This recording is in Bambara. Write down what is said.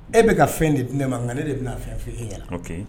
E bɛka ka fɛn di ne ma nka ne de bɛna' fɛn fo e yɛlɛ